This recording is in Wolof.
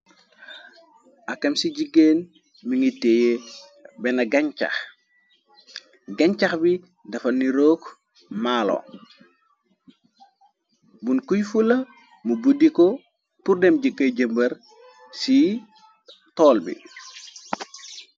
Akam ci jigeen mi ngi teye benn gañcax, gañcax bi dafa nirook maalo, buñ kuy fula mu buddi ko pur dem jëgey jëmbar ci toll bi.